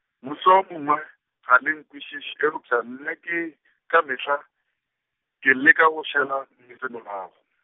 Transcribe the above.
mohlomongwe, ga le nkwešiše eupša nna ke, ka mehla, ke leka go šala nnete morago.